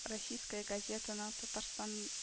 “российская газетаның татарстан